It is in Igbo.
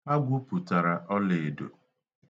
Ha gwupụtara olaedo.